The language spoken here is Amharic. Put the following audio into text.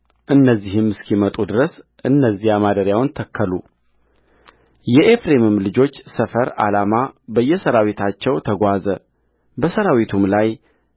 እነዚህም እስኪመጡ ድረስ እነዚያ ማደሪያውን ተከሉየኤፍሬምም ልጆች ሰፈር ዓላማ በየሠራዊታቸው ተጓዘ በሠራዊቱም ላይ